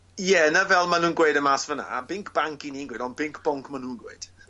Ie 'na fel ma' nw'n gweud e mas fynna. Binc Banc 'yn ni'n gweud on' Binc Bonc ma' nw'n dweud.